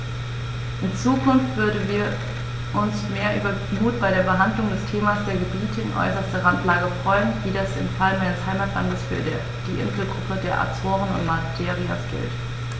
In Zukunft würden wir uns über mehr Mut bei der Behandlung des Themas der Gebiete in äußerster Randlage freuen, wie das im Fall meines Heimatlandes für die Inselgruppen der Azoren und Madeiras gilt.